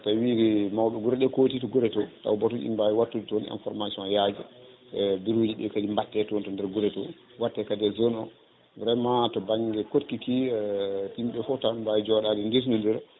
so tawi mawɓe guureɗe kooti to guure to tawde ko inda wattude toon information o yaaja e bureau ji ɗi kadi batte toon to nder guure to watte kadi e zone o vraiment to banggue kotkiki yimɓe foof tan mbawi jooɗade ndesnodira